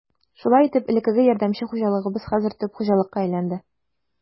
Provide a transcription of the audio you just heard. Шулай итеп, элеккеге ярдәмче хуҗалыгыбыз хәзер төп хуҗалыкка әйләнде.